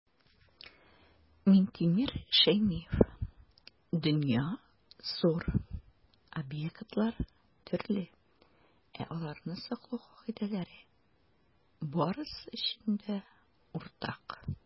Минтимер Шәймиев: "Дөнья - зур, объектлар - төрле, ә аларны саклау кагыйдәләре - барысы өчен дә уртак".